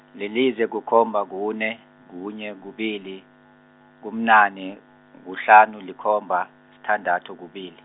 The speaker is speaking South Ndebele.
lilize, kukhomba, kune, kunye, kubili, kubunane, kuhlanu, likhomba, sithandathu, kubili.